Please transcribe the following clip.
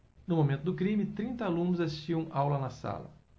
no momento do crime trinta alunos assistiam aula na sala